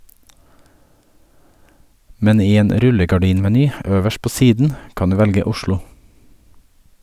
Men i en rullegardinmeny øverst på siden kan du velge Oslo.